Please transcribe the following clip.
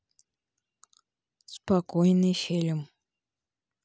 спокойный фильм